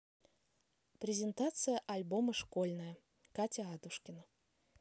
презентация альбома школьная катя адушкина